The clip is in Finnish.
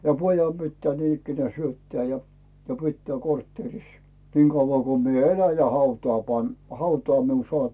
ja pojan pitää niin ikään syöttää ja pitää kortteerissa niin kauan kun minä elän ja hautaan - hautaan minun saa